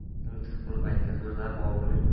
onasining lutf qilib aytgan so'zlari boburning